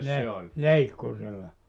- leikkurilla